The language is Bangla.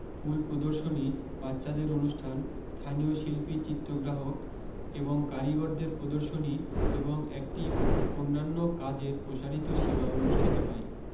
ফুল প্রদর্শনী বাচ্চাদের অনুষ্ঠান স্থানীয় শিল্পী চিত্রগ্রাহক এবং কারিগরদের প্রদর্শনী এবং একটি অন্যান্য কাজের প্রসারিত সীমা অনুষ্ঠিত হয়